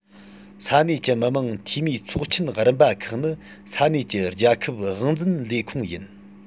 ས གནས ཀྱི མི དམངས འཐུས མིའི ཚོགས ཆེན རིམ པ ཁག ནི ས གནས ཀྱི རྒྱལ ཁབ དབང འཛིན ལས ཁུངས ཡིན